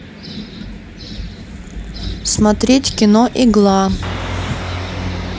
смотреть кино игла